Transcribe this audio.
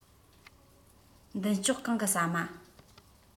མདུན ལྕོག གང གི ཟ མ